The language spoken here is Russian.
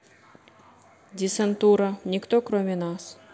десантура никто кроме нас